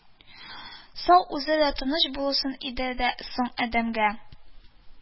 Сау, үзе дә тыныч буласы иде дә соң адәмгә